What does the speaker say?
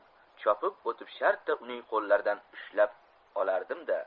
chopib o'tib shartta uning qo'llaridan ushlab olardim da